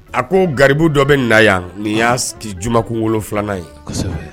A ko garibu dɔ bɛ na yan nin y'a jumakun 7 nan ye.